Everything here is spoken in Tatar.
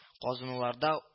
Казынуларда